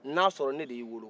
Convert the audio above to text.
n'a sɔrɔ ne de y'i wolo